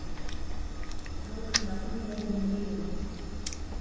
Ռոքն ապրում է Գյումրիում։